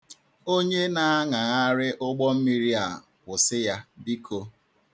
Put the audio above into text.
Onye na-aṅagharị ụgbọmmiri a kwụsị ya biko.